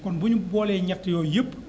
kon bu ñu boolee ñett yooyu yëpp